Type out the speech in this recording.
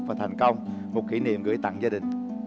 và thành công một kỷ niệm gửi tặng gia đình